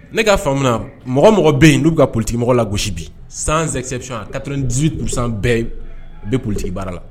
Ne'a faamuya mɔgɔ mɔgɔ bɛ yen'u ka politi mɔgɔ la gosi bi san sɛgsɛ ka disiri tun san bɛɛ u bɛ politigi baara la